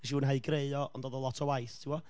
Wnes i fwynhau ei greu o, ond oedd o lot o waith, ti'n gwybod?